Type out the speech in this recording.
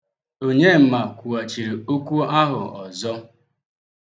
Onyema kwughachịrị okwu ahụ ọzọ